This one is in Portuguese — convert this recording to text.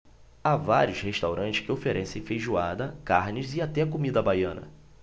há vários restaurantes que oferecem feijoada carnes e até comida baiana